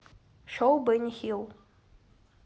шоу бенни хилл